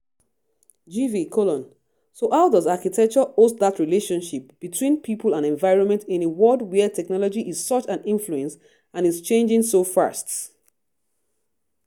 GV: So how does architecture host that relationship between people and environment in a world where technology is such an influence and is changing so fast?